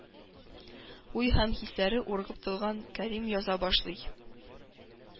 Уй һәм хисләре ургып торган Кәрим яза башлый.